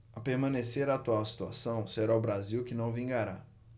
a permanecer a atual situação será o brasil que não vingará